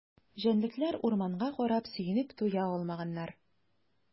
Җәнлекләр урманга карап сөенеп туя алмаганнар.